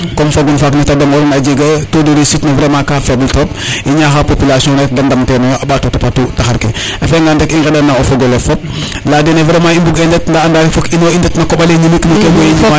comme fagun fak mnete demo or ina a jega taux de reussite ne vraiment ka faible trop i ñaxa population ne rek de ndam tenoyo i mbato topatu taxar ke a fiya ngan rek i ŋenda na o fogole fop laya dene vraiment i mbug e ndet nda andaye fook i ndet na koɓale ñimik no ke goye ñima yo